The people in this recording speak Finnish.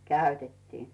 käytettiin